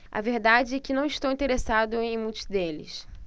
a verdade é que não estou interessado em muitos deles